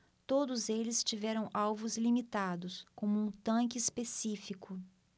todos eles tiveram alvos limitados como um tanque específico